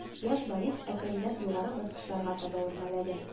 Яшь Борис әкренләп югары баскычларга таба үрмәләде